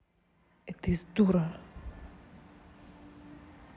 это из дура